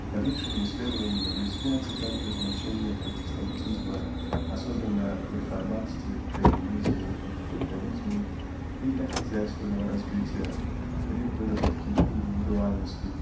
новейшими исследованиями выясняется также значение протестантизма особенно в реформатстве кальвинизме и пуританизме и для хозяйственного развития при выработке индивидуальностей